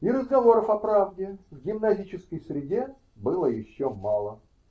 И разговоров о "Правде" в гимназической среде было еще мало.